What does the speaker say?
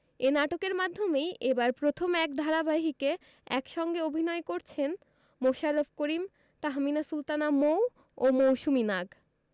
এ নাটকের মাধ্যমেই এবারই প্রথম এক ধারাবাহিকে একসঙ্গে অভিনয় করছেন মোশাররফ করিম তাহমিনা সুলতানা মৌ ও মৌসুমী নাগ